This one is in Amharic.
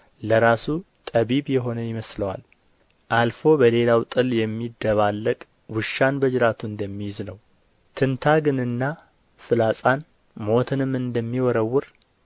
ለራሱ ጠቢብ የሆነ ይመስለዋል አልፎ በሌላው ጥል የሚደባለቅ ውሻን በጅራቱ እንደሚይዝ ነው ትንታግንና ፍላጻን ሞትንም እንደሚወረውር